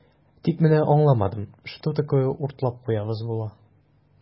Тик менә аңламадым, что такое "уртлап куябыз" була?